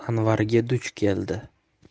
anvarga duch keldi